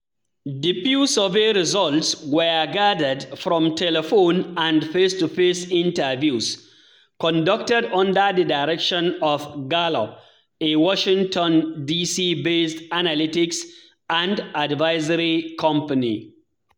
The Pew survey results were gathered from telephone and face-to-face interviews conducted under the direction of Gallup — a Washington, DC, based analytics and advisory company.